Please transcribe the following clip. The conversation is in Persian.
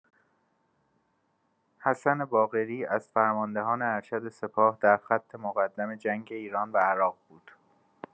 حسن باقری، از فرماندهان ارشد سپاه در خط مقدم جنگ ایران و عراق بود.